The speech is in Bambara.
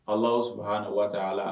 Ala suha ni waati ala